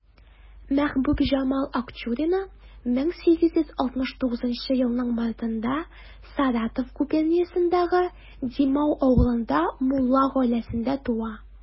Мәхбүбҗамал Акчурина 1869 елның мартында Саратов губернасындагы Димау авылында мулла гаиләсендә туа.